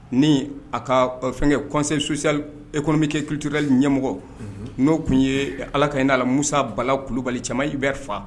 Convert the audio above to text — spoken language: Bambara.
Ni a ka fɛngɛ conseil social économique et culturel ɲɛmɔgɔ n'o tun ye ala ka'a la Musa Bala Kulubali ye Cɛma Ubɛri fa